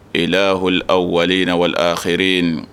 ilahul awwaliina wal aakiriine